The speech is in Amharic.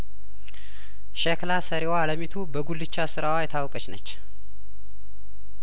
ሸክላ ሰሪዋ አለሚ ቱ በጉልቻ ስራዋ የታወቀችነች